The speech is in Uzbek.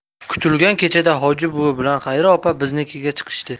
kutilgan kechada hoji buvi bilan xayri opa biznikiga chiqishdi